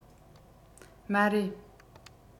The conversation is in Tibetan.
མ རེད